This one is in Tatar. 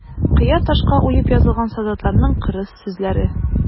Кыя ташка уеп язылган солдатларның кырыс сүзләре.